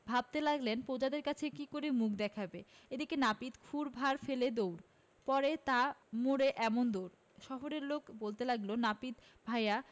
ভাবতে লাগলেন প্রজাদের কাছে কী করে মুখ দেখাব এদিকে নাপিত ক্ষুর ভাঁড় ফেলে দৌড় পড়ে তা মরে এমন দৌড় শহরের লোক বলতে লাগল নাপিত ভায়া